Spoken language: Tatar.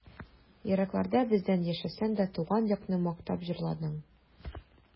Еракларда бездән яшәсәң дә, Туган якны мактап җырладың.